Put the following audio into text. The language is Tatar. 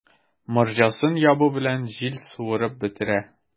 Морҗасын ябу белән, җил суырып бетерә.